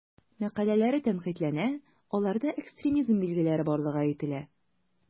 Мәкаләләре тәнкыйтьләнә, аларда экстремизм билгеләре барлыгы әйтелә.